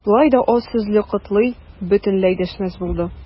Болай да аз сүзле Котлый бөтенләй дәшмәс булды.